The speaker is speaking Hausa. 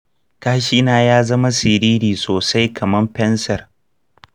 kashina ya zama siriri sosai kamar fensir.